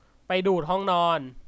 ไปดููดห้องนอน